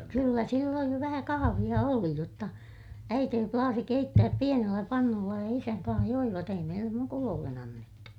kyllä silloin jo vähän kahvia oli jotta äiti plaasi keittää pienellä pannulla ja isän kanssa joivat ei meille mukuloille annettu